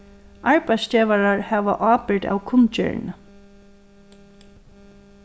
arbeiðsgevarar hava ábyrgd av kunngerðini